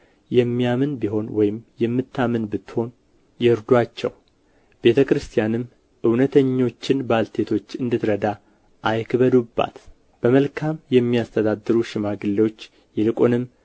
የሚያምን ቢሆን ወይም የምታምን ብትሆን ይርዱአቸው ቤተ ክርስቲያንም እውነተኞችን ባልቴቶች እንድትረዳ አይክበዱባት በመልካም የሚያስተዳድሩ ሽማግሌዎች ይልቁንም